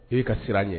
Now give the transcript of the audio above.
I' ka siran ye